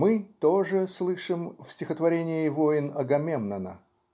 Мы то же слышим в стихотворении "Воин Агамемнона"